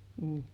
mm